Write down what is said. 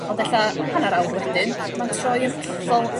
Ond ella hanner awr wedyn ma'n troi yn hollol nerfus 'de?